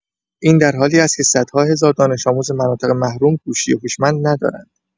این درحالی است که صدها هزار دانش‌آموز مناطق محروم، گوشی هوشمند ندارند.